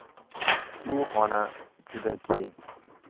u xona juda keng